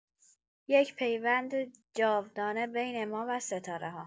یک پیوند جاودانه بین ما و ستاره‌ها